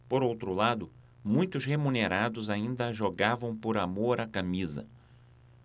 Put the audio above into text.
por outro lado muitos remunerados ainda jogavam por amor à camisa